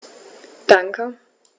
Danke.